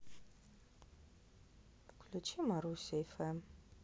включи маруся фм